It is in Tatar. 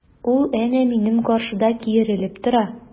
Ул әнә минем каршыда киерелеп тора!